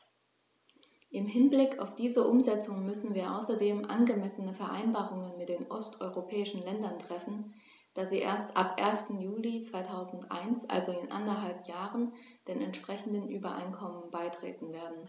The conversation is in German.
Im Hinblick auf diese Umsetzung müssen wir außerdem angemessene Vereinbarungen mit den osteuropäischen Ländern treffen, da sie erst ab 1. Juli 2001, also in anderthalb Jahren, den entsprechenden Übereinkommen beitreten werden.